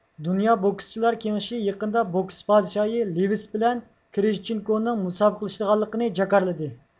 دۇنيا بوكىسچىلار كېڭىشى يېقىندا بوكس پادىشاھى لېۋېس بىلەن كىرىژچېنكونىڭ مۇسابىقىلىشىدىغانلىقىنى جاكارلىدى